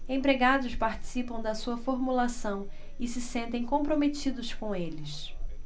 empregados participam da sua formulação e se sentem comprometidos com eles